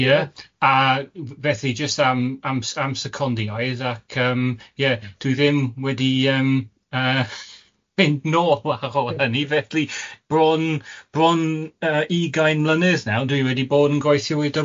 Ie a felly jyst am am am secondiaidd ac yym ie dwi ddim wedi yym yy mynd nôl ar ôl hynny felly bron bron yy ugain mlynedd nawr dwi wedi bod yn gweithio i double-you el jay.